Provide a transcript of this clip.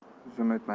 zum o'tmay